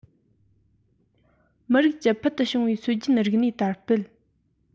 མི རིགས ཀྱི ཕུལ དུ བྱུང བའི སྲོལ རྒྱུན རིག གནས དར སྤེལ